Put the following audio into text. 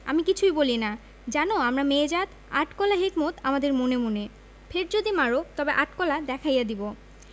আমি কিছুই বলি না জান আমরা মেয়ে জাত আট কলা হেকমত আমাদের মনে মনে ফের যদি মার তবে আট কলা দেখাইয়া দিব